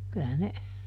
kyllä ne